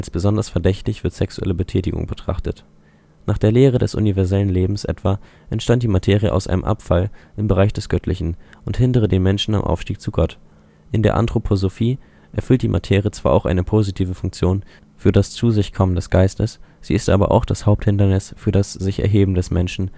besonders verdächtig wird sexuelle Betätigung betrachtet. Nach der Lehre des Universellen Lebens etwa entstand die Materie aus einem Abfall im Bereich des Göttlichen und hindere den Menschen am Aufstieg zu Gott. In der Anthroposophie erfüllt die Materie zwar auch eine positive Funktion für das Zu-sich-kommen des Geistes, sie ist aber auch das Haupthindernis für das Sich-Erheben des Menschen